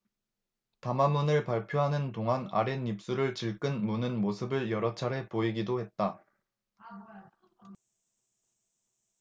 담화문을 발표하는 동안 아랫입술을 질끈 무는 모습을 여러차례 보이기도 했다